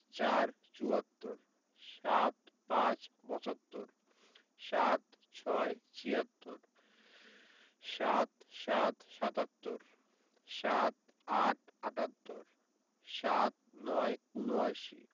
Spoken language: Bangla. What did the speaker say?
৪ – চুয়াত্তর ৭৫ – পঁচাত্তর ৭৬ - ছিয়াত্তর ৭৭ – সা্তাত্তর ৭৮ – আটাত্তর ৭৯ – উনআশি